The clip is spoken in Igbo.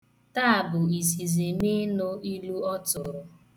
Taa bụ izizi m ị nụ ilu ọ tụrụ.